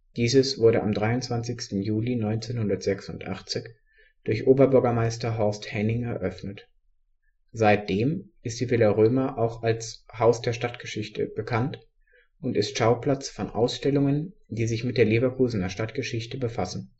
Dieses wurde am 23. Juli 1986 durch Oberbürgermeister Horst Henning eröffnet. Seitdem ist die Villa Römer auch als „ Haus der Stadtgeschichte “bekannt und ist Schauplatz von Ausstellungen, die sich mit der Leverkusener Stadtgeschichte befassen